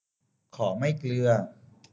ขอไม่เกลือ